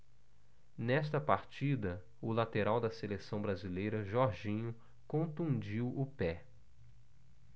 nesta partida o lateral da seleção brasileira jorginho contundiu o pé